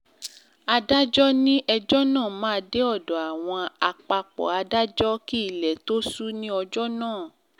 Adájọ́ ní ẹjọ́ náà máa dé ọ̀dọ̀ àwọn àpapọ̀ adájọ́ kí ilẹ̀ tó ṣú ní ọjọ́ náà.